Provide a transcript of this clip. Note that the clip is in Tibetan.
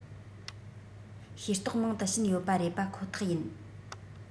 ཤེས རྟོགས མང དུ ཕྱིན ཡོད པ རེད པ ཁོ ཐག ཡིན